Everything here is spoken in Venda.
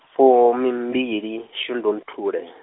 fumimbili, shundunthule.